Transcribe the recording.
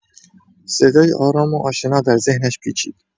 صدایی آرام و آشنا در ذهنش پیچید.